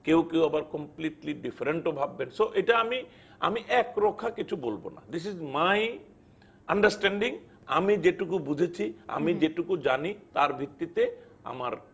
কেউ কেউ আবার কমপ্লিট লি ডিফারেন্ট ভাববেন সো এটা আমি আমি একরোখা কিছু বলবো না দিস ইজ মাই আন্ডারস্ট্যান্ডিং আমি যেটুকু বুঝেছি আমি যেটুকু জানি তার ভিত্তিতে আমার